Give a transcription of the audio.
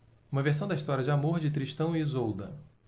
uma versão da história de amor de tristão e isolda